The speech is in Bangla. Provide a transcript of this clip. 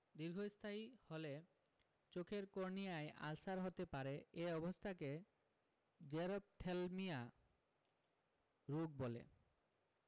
দীর্ঘস্থায়ী হলে চোখের কর্নিয়ায় আলসার হতে পারে এ অবস্থাকে জেরপ্থ্যালমিয়া রোগ বলে